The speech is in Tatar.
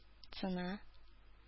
Цена